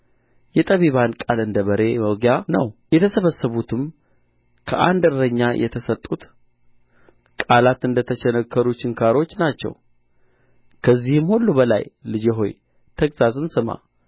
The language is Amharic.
የጠቢባን ቃል እንደ በሬ መውጊያ ነው የተሰበሰቡትም ከአንድ እረኛ የተሰጡት ቃላት እንደ ተቸነከሩ ችንካሮች ናቸው ከዚህም ሁሉ በላይ ልጄ ሆይ ተግሣጽን ስማ